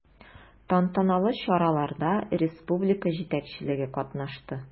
Тантаналы чараларда республика җитәкчелеге катнашты.